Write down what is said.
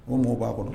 O mɔɔw b'a kɔnɔ